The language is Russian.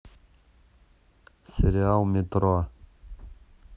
сериал метро